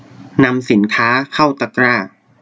นำสินค้าเข้าตะกร้า